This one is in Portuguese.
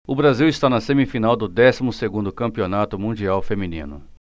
o brasil está na semifinal do décimo segundo campeonato mundial feminino